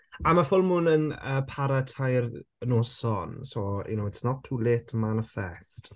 A ma full moon yn yy para tair noson so it's not too late to manifest.